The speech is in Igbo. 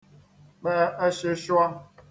kpẹ ẹshụshwa